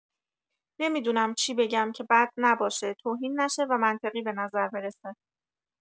نمی‌دونم چی بگم که بد نباشه، توهین نشه و منطقی بنظر برسه.